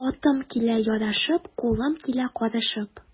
Атым килә ярашып, кулым килә карышып.